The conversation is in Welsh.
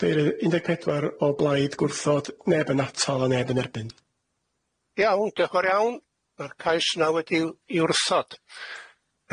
Ceir un deg pedwar o blaid gwrthod neb yn atal a neb yn erbyn. Iawn, dioch yn iawn, ma'r cais yna wedi'w- i wrthod.